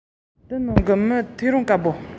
དེའི ཕྱི ཉིན རྒན མོ དེས རྒད པོ